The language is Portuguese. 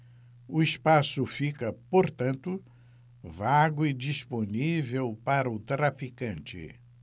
o espaço fica portanto vago e disponível para o traficante